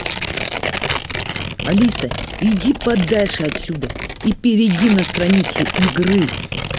алиса иди подальше отсюда и перейди на страницу игры